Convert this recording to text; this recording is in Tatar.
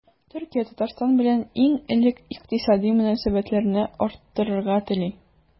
Төркия Татарстан белән иң элек икътисади мөнәсәбәтләрне арттырырга тели.